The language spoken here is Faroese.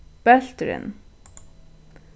bólturin